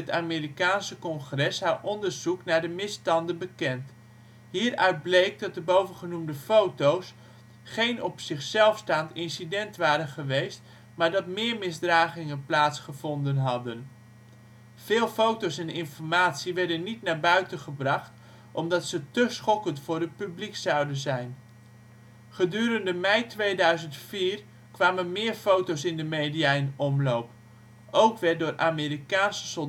Amerikaanse Congres haar onderzoek naar de misstanden bekend. Hieruit bleek dat de bovengenoemde foto 's geen losstaand incident waren, maar dat meer misdragingen plaatsgevonden hebben. Veel foto 's en informatie worden niet naar buiten gebracht omdat ze té schokkend voor het publiek zouden zijn. Gedurende mei 2004 kwamen meer foto 's in de media in omloop. Ook werd door Amerikaanse